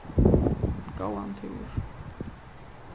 góðan túr